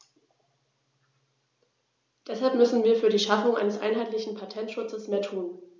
Deshalb müssen wir für die Schaffung eines einheitlichen Patentschutzes mehr tun.